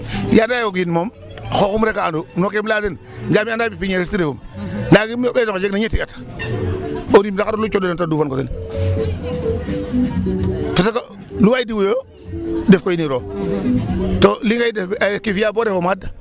II ya anda ye o kiin moom xooxum rek a andu no keem layaa den ndaa ande mi' pépiniériste refum ndaa o ɓees onqe jegna ñetti at o rim ndaxar nu cooxanoona ta duufango ten parce que lu waay diw o tam defkoy niro ta lingey def ke o fi'aa bo ref o maad.